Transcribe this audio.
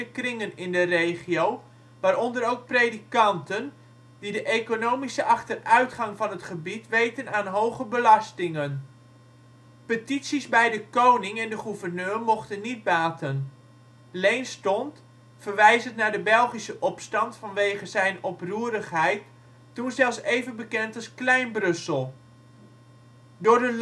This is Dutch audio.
kringen in de regio, waaronder ook predikanten, die de economische achteruitgang van het gebied weten aan hoge belastingen. Petities bij de Koning en de Gouverneur mochten niet baten. Leens stond, verwijzend naar de Belgische Opstand vanwege zijn oproerigheid toen zelfs even bekend als ‘Klein Brussel’. Door de landbouwcrisis